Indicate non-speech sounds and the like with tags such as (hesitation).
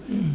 (hesitation)